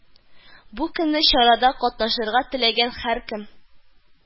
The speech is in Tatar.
Бу көнне чарада катнашырга теләгән һәркем